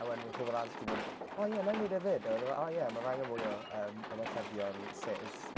A wedyn wedd pobl arall 'di mynd "o ie wna i wneud e 'fyd". A oedd e fel "o ie, ma' angen mwy o yym ymatebion cis".